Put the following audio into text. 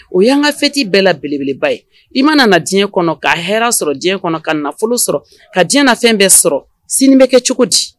O y'an kafetti bɛɛ la belebeleba ye i mana na diɲɛ kɔnɔ ka hɛrɛɛra sɔrɔ diɲɛ kɔnɔ ka nafolo sɔrɔ ka diɲɛ nafɛn bɛɛ sɔrɔ sini bɛ kɛ cogo di